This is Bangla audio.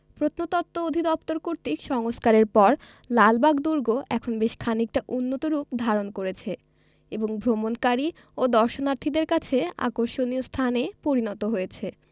প্রত্নতত্ত্ব অধিদপ্তর কর্তৃক সংস্কারের পর লালবাগ দুর্গ এখন বেশ খানিকটা উন্নত রূপ ধারণ করেছে এবং ভ্রমণকারী ও দর্শনার্থীদের কাছে আকর্ষণীয় স্থানে পরিণত হয়েছে